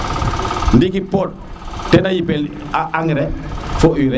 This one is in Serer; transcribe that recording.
ndiki poɗ ke de yidel engrais fo urée